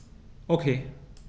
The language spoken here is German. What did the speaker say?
Okay.